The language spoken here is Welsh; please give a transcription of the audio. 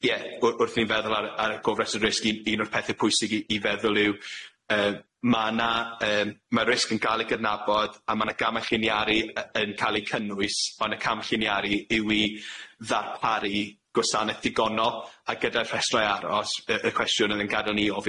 Ie wr- wrth i ni'n feddwl ar ar y gofreswyr risg un un o'r pethe pwysig i i feddwl yw yy, ma' 'na yym ma' risg yn ca'l ei gydnabod a ma' 'na gamau lliniaru y- yn ca'l eu cynnwys ond y cam lliniaru yw i ddarparu gwasanaeth digonol, a gyda'r rhestrai aros y y cwestiwn yn gadael ni ofyn